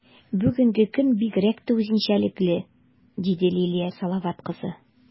Бүгенге көн бигрәк тә үзенчәлекле, - диде Лилия Салават кызы.